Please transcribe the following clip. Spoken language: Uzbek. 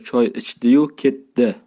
choy ichdi yu